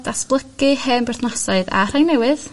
datblygu hen berthnasau a rhai newydd